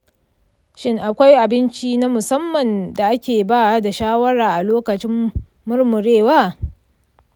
shin akwai abinci na musamman da ake ba da shawara a lokacin murmurewa?